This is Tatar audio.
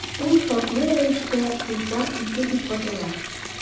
Ул шартлы рәвештә “Уфа- 2” дип атала.